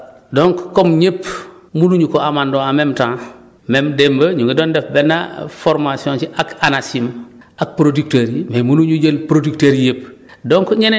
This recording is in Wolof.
voilà donc comme ñëpp mënuñu ko amandoo en même temps même démb ñu ngi doon def benn formation ci ak ANACIM ak producteurs yi mais mënuénu jël producteurs yëpp